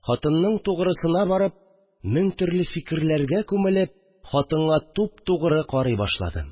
Хатынның тугрысына барып, мең төрле фикерләргә күмелеп, хатынга туп-тугры карый башладым